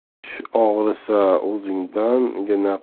ich og'risa o'zingdan